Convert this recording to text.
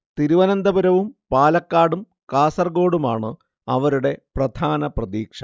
തിരുവനന്തപുരവും പാലക്കാടും കാസർകോടുമാണ് അവരുടെ പ്രധാന പ്രതീക്ഷ